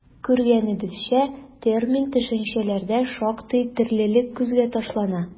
Күргәнебезчә, термин-төшенчәләрдә шактый төрлелек күзгә ташлана.